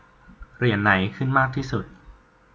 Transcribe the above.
เหรียญไหนขึ้นมากที่สุด